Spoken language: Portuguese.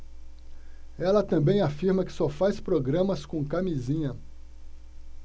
ela também afirma que só faz programas com camisinha